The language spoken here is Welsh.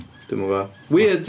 Dwi ddim yn gwybod. Weird.